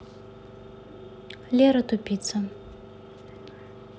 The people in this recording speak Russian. лера тупица